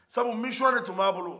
sabu misiyɔn de tun bɛ a bolo